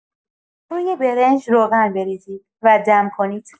روی برنج، روغن بریزید و دم کنید.